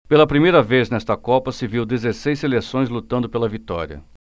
pela primeira vez nesta copa se viu dezesseis seleções lutando pela vitória